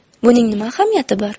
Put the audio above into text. buning nima ahamiyati bor